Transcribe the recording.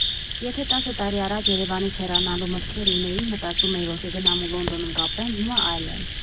Եթե տասը տարի առաջ Երևանից հեռանալու մտքեր ունեի, մտածում էի, որ կգնամ ու Լոնդոնում կապրեմ, հիմա այլ է։